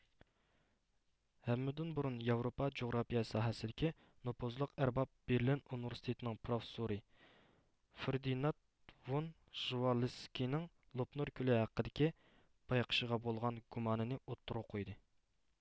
ھەممىدىن بۇرۇن ياۋروپا جۇغراپىيە ساھەسىدىكى نوپۇزلۇق ئەرباب بېرلىن ئۇنىۋېرسىتېتىنىڭ پروفېسسورى فېردىنات ۋون ژېۋالسكىنىڭ لوپنۇر كۆلى ھەققىدىكى بايقىشىغا بولغان گۇمانىنى ئوتتۇرىغا قويدى